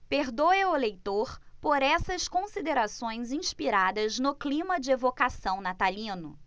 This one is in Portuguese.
perdoe o leitor por essas considerações inspiradas no clima de evocação natalino